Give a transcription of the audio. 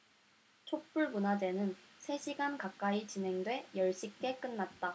촛불 문화제는 세 시간 가까이 진행돼 열 시께 끝났다